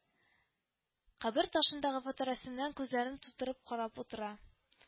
Кабер ташындагы фоторәсемнән күзләрен тутырып карап утыра